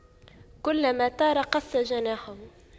كلما طار قص جناحه